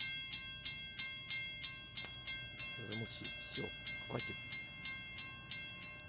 замолчи все хватит